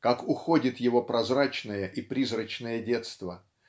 как уходит его прозрачное и призрачное детство